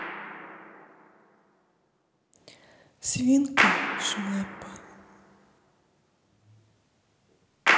свинка шмеппа